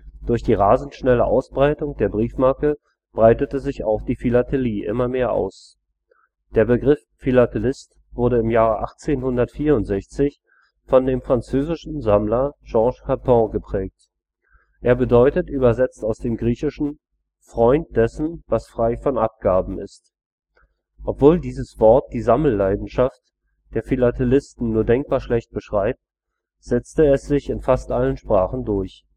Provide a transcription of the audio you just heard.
Durch die rasend schnelle Ausbreitung der Briefmarke breitete sich auch die Philatelie immer mehr aus. Der Begriff Philatelist wurde im Jahre 1864 von dem französischen Sammler Georges Herpin geprägt. Er bedeutet übersetzt aus dem Griechischen „ Freund dessen, was frei von Abgaben ist “. Obwohl dieses Wort die Sammelleidenschaft der Philatelisten nur denkbar schlecht beschreibt, setzte es sich in fast allen Sprachen durch